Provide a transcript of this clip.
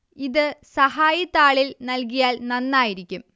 ഇത് സഹായി താളിൽ നൽകിയാൽ നന്നായിരിക്കും